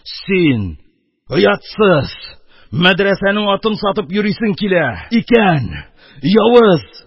Син... оятсыз... мәдрәсәнең атын сатып йөрисең килә... икән... явыз...